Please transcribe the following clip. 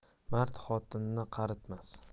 mard xotinin qaritmas